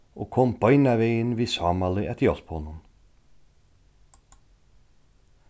og kom beinanvegin við sámali at hjálpa honum